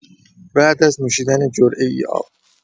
بعد از نوشیدن جرعه‌ای آب